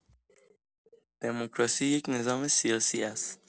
دموکراسی یک نظام سیاسی است.